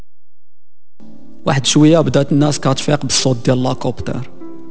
واحد شويه بدات الناس كانت في الصوت يلا كوبتر